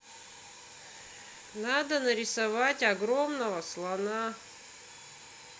как нарисовать огромного слона